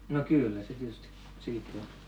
no kyllä se tietysti sekin käy